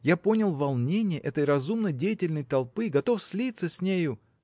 я понял волнение этой разумно-деятельной толпы готов слиться с нею.